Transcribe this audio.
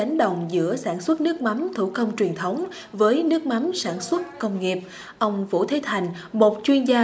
đánh đồng giữa sản xuất nước mắm thủ công truyền thống với nước mắm sản xuất công nghiệp ông vũ thế thành một chuyên gia